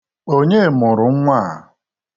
Onye mụrụ nnwa a?